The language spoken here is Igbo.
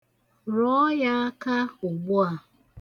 Rụọ ya aka ugbu a.